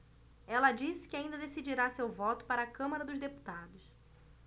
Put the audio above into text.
ela disse que ainda decidirá seu voto para a câmara dos deputados